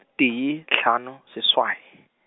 tee, tlhano, seswai.